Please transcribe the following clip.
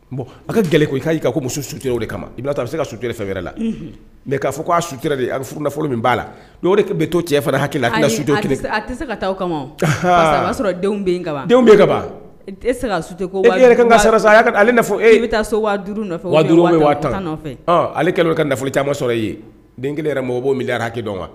Bon a ka gɛlɛn ko ka muso su de kama i b' se ka sutura fɛɛrɛ la mɛ k'a fɔ k' a su de a bɛ furu nafolo min b'a la bɛ to cɛ hakili sɔrɔ ka yɛrɛ ka ale e bɛ taa ale kɛlen ka nafololi camanma sɔrɔ i ye den kelen yɛrɛ mɔgɔ miki dɔn wa